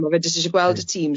Ma' fe jyst isie gweld y teams.